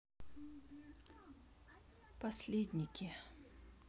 последники